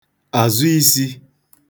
àzụ isī